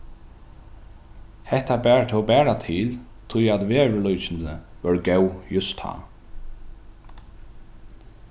hetta bar tó bara til tí at veðurlíkindini vóru góð júst tá